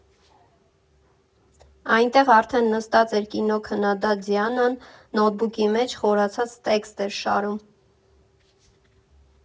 Այնտեղ արդեն նստած էր կինոքննադատ Դիանան՝ նոթբուքի մեջ խորացած տեքստ էր շարում։